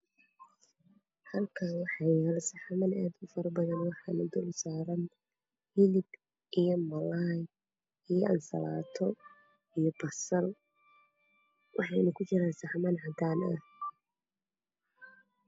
Halkan waxa yaalo saxaman aad u faro badan waxa dul saran hilib iyo malay iyo ansalato iyo basal waxayna ku jiran saxaman cadan ah